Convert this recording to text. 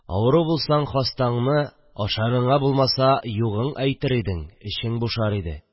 Авыру булсаң хастаңне, ашарыңа булмаса, югын әйтер идең, эчең бушар иде